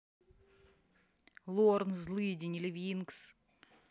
лорд злыдень или вилкинс